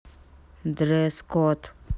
дресс код